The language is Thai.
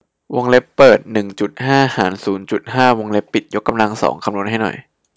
วงเล็บเปิดหนึ่งจุดห้าหารศูนย์จุดห้าวงเล็บปิดยกกำลังสองคำนวณให้หน่อย